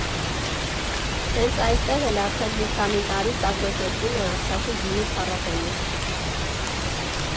Հենց այստեղ էլ արդեն մի քանի տարի կազմակերպվում է Արցախի գինու փառատոնը։